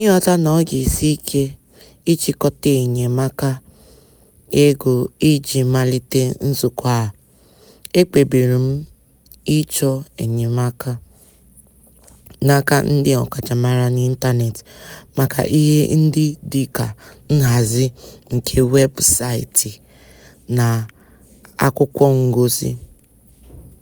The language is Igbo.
N'ịghọta na ọ ga-esi ike ịchịkọta enyemaaka ego iji malite nzukọ a, e kpebiri m ịchọ enyemaka n'aka ndị ọkachamara n'ịntanetị maka ihe ndị dịka nhazị nke weebụsaịtị na akwụkwọngosi.